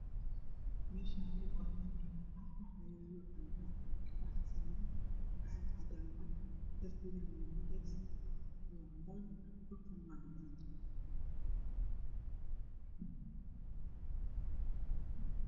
Meeshaani waa meel banaan waxaa yaalo alwaax waxaa saaran caag cadaan dhulkana waa cadaan